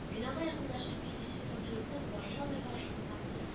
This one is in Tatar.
Бинага якынлашып килүче самолетны каршы алырга ашкынган